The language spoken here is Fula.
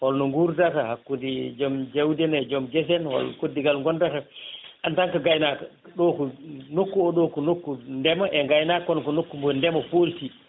holno gurdata hakkude joom jawɗele en e joom guese en hol koddigal gondata en tant que gaynako ɗo ko nokku nokku oɗo ko nokku ndeema e gaynaka kono ko nokku mo ndeema folti